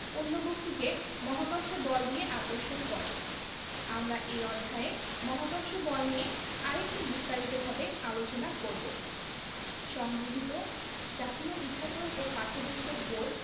অন্য বস্তুকে মহাকর্ষ বল দিয়ে আকর্ষণ করে আমরা এই অধ্যায়ে মহাকর্ষ বল নিয়ে আরেকটু বিস্তারিতভাবে আলোচনা করব সংগৃহীত জাতীয় শিক্ষাক্রম ও পাঠ্যপুস্তক বোর্ড